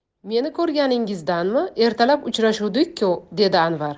meni ko'rganingizdanmi ertalab uchrashuvdik ku dedi anvar